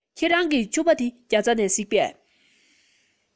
ཁྱེད རང གི ཕྱུ པ དེ རྒྱ ཚ ནས གཟིགས པས